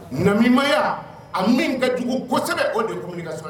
Namimaya, a min ka jugu kosɛbɛ o de ye communication